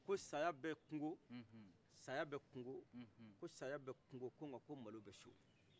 ko saya bɛ kungo saya bɛ kungo ko saya bɛ kungo ko nka ko malo bɛ so